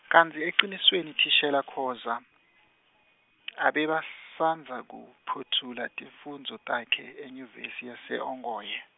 kantsi ecinisweni thishela Khoza , abebasandza kuphotfula tifundvo takhe eNyuvesi yase-Ongoye.